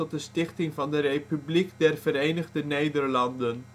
de stichting van de Republiek der Verenigde Nederlanden